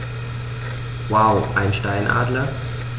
Wow! Einen Steinadler?